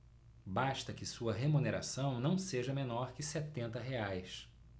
basta que sua remuneração não seja menor que setenta reais